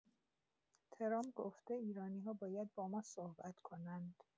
ترامپ گفته ایرانی‌‌ها باید با ما صحبت کنند.